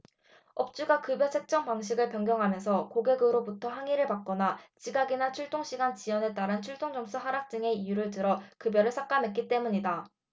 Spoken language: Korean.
업주가 급여 책정 방식을 변경하면서 고객으로부터 항의를 받거나 지각이나 출동 시간 지연에 따른 출동점수 하락 등의 이유를 들어 급여를 삭감했기 때문이다